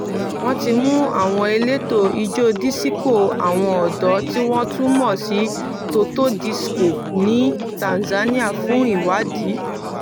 Wọ́n ti mú àwọn elétò ijó dísíkò àwọn ọ̀dọ́ tí wọ́n tún mọ̀ sí "Toto disco" ní Tanzania fún ìwádìí.